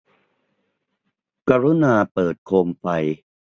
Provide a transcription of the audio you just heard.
กรุณาเปิดโคมไฟ